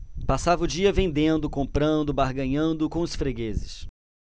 passava o dia vendendo comprando barganhando com os fregueses